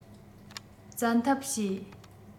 བཙན ཐབས བྱེད